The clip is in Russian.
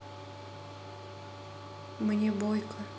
мне бойко